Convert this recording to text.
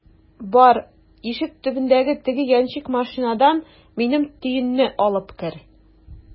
Бар, ишек төбендәге теге яньчек машинадан минем төенне алып кер!